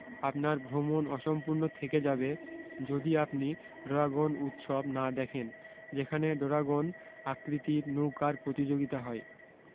আপনার ভ্রমণ অসম্পূরণ থেকে যাবে যদি আপনি ডরাগন উৎসব না দেখেন যেখানে ডরাগন আকৃতির নৌকার প্রতিযোগীতা হয়